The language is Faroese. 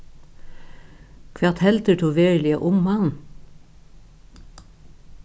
hvat heldur tú veruliga um hann